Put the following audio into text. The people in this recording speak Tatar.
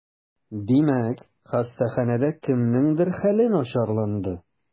Димәк, хастаханәдә кемнеңдер хәле начарланды?